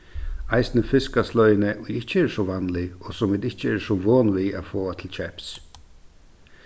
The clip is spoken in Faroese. eisini fiskasløgini ið ikki eru so vanlig og sum vit ikki eru so von við at fáa til keyps